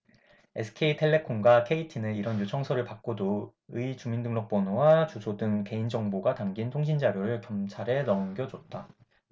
에스케이텔레콤과 케이티는 이런 요청서를 받고도 의 주민등록번호와 주소 등 개인정보가 담긴 통신자료를 검찰에 넘겨줬다